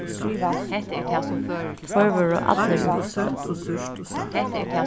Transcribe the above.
tveir vóru allir úr fugli